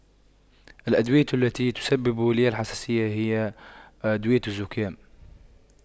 الأدوية التي تسبب لي الحساسية هي أدوية الزكام